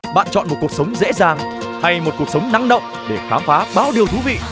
bạn chọn một cuộc sống dễ dàng hay một cuộc sống năng động để khám phá bao điều thú vị